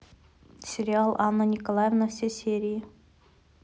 сериал анна николаевна все серии